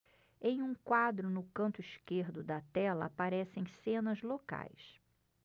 em um quadro no canto esquerdo da tela aparecem cenas locais